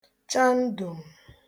chandùm̀